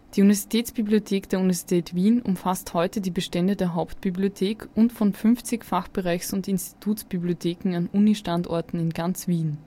Die Universitätsbibliothek der Universität Wien umfasst heute die Bestände der Hauptbibliothek und von 50 Fachbereichs - und Institutsbibliotheken an Uni-Standorten in ganz Wien